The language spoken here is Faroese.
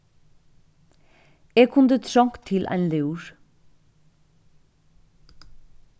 eg kundi trongt til ein lúr